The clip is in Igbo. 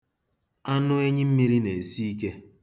Anụ enyimmiri na-esi ike.